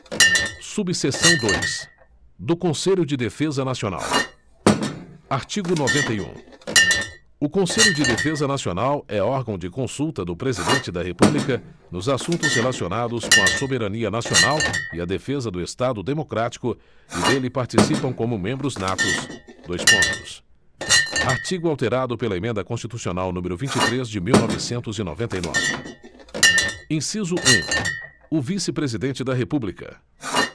subseção dois do conselho de defesa nacional artigo noventa e um o conselho de defesa nacional é órgão de consulta do presidente da república nos assuntos relacionados com a soberania nacional e a defesa do estado democrático e dele participam como membros natos dois pontos artigo alterado pela emenda constitucional número vinte e três de mil novecentos e noventa e nove inciso um o vice presidente da república